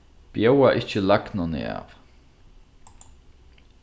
bjóða ikki lagnuni av